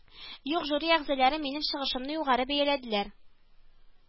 Юк, жюри әгъзалары минем чыгышымны югары бәяләделәр